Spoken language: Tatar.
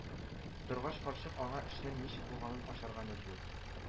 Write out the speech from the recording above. Торгач, карчык аңа эшнең ничек булганын ачарга мәҗбүр